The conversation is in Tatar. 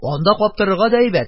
Анда каптырырга да әйбәт,